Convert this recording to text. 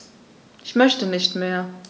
Ich möchte nicht mehr.